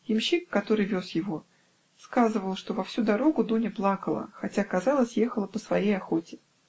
Ямщик, который вез его, сказывал, что всю дорогу Дуня плакала, хотя, казалось, ехала по своей охоте.